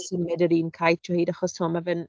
Symud yr un caets o hyd, achos timod, ma' fe'n...